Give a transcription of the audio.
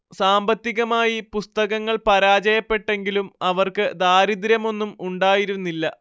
സാമ്പത്തികമായി പുസ്തകങ്ങൾ പരാജയപ്പെട്ടെങ്കിലും അവർക്ക് ദാരിദ്ര്യമൊന്നും ഉണ്ടായിരുന്നില്ല